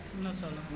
am na solo